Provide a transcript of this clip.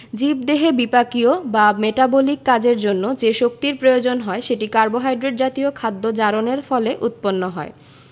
জীবদেহে বিপাকীয় বা মেটাবলিক কাজের জন্য যে শক্তির প্রয়োজন হয় সেটি কার্বোহাইড্রেট জাতীয় খাদ্য জারণের ফলে উৎপন্ন হয়